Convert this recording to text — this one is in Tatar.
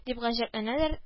Дип гаҗәпләнәләр